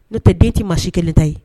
N'o tɛ den tɛ maa si kelen ta ye